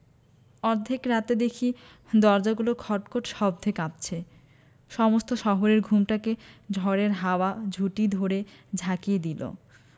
অর্ধেক রাতে দেখি দরজাগুলো খটখট শব্দে কাঁপছে সমস্ত শহরের ঘুমটাকে ঝড়ের হাওয়া ঝুঁটি ধরে ঝাঁকিয়ে দিলে